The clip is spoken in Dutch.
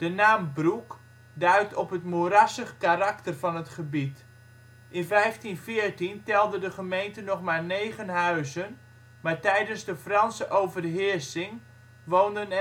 naam - broek duidt op het moerassig karakter van het gebied. In 1514 telde de gemeente nog maar 9 huizen, maar tijdens de Franse overheersing woonden